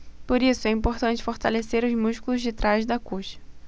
por isso é importante fortalecer os músculos de trás da coxa